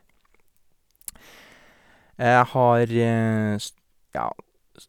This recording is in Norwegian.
Jeg har, s ja, s...